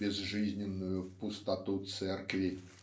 безжизненную пустоту церкви.